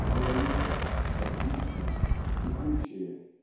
Многоликое, подвижное, текучее